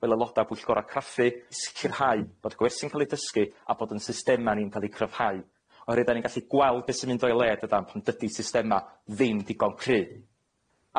fel aeloda pwllgora craffu, i sicirhau bod gwersi'n ca'l ei dysgu a bod yn systema ni'n ca'l ei cryfhau, oherwydd 'dan ni'n gallu gweld be' sy'n mynd o'i le dydan, pan dydi systema ddim digon cryf.